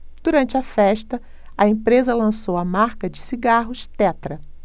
durante a festa a empresa lançou a marca de cigarros tetra